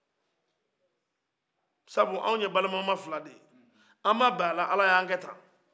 sabu anw ye balemama fila de ye anw mabɛ a la ala ye anw kɛ tan